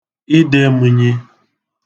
idēmenyi